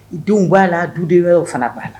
U denw b'a la, du den wɛrɛw fana b'a la.